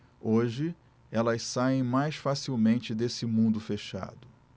hoje elas saem mais facilmente desse mundo fechado